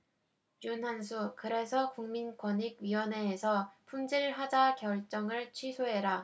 윤한수 그래서 국민권익위원회에서 품질 하자 결정을 취소해라